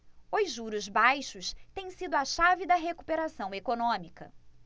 os juros baixos têm sido a chave da recuperação econômica